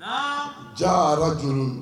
Jaayarag